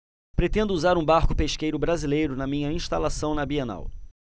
pretendo usar um barco pesqueiro brasileiro na minha instalação na bienal